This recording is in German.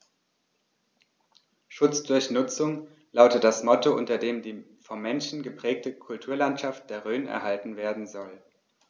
„Schutz durch Nutzung“ lautet das Motto, unter dem die vom Menschen geprägte Kulturlandschaft der Rhön erhalten werden soll.